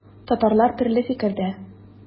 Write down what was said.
Татарлар төрле фикердә.